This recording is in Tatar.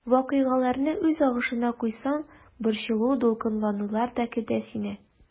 Вакыйгаларны үз агышына куйсаң, борчылу-дулкынланулар да көтә сине.